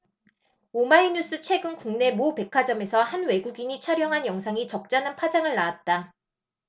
오마이뉴스 최근 국내 모 백화점에서 한 외국인이 촬영한 영상이 적잖은 파장을 낳았다